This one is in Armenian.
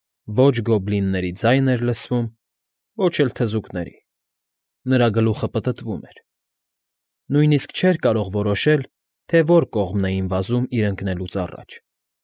Ոչ գոբլինների ձայն էր լսվում, ոչ էլ թզուկների, նրա գլուխը պտտվում էր, նույնիսկ չէր կարող որոշել, թե որ կողմն էին վազում իր ընկնելուց առաջ։